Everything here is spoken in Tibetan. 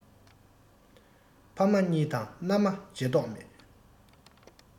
ཕ མ གཉིས དང མནའ མ བརྗེ མདོག མེད